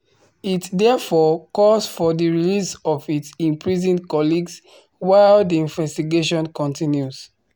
It therefore calls for the release of its imprisoned colleagues while the investigation continues.